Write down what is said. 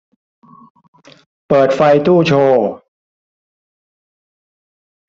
เปิดไฟตู้โชว์